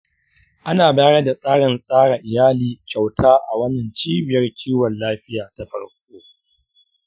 ana bayar da tsarin tsara iyali kyauta a wannan cibiyar kiwon lafiya ta farko.